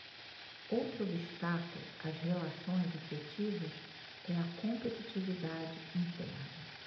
outro obstáculo às relações afetivas é a competitividade interna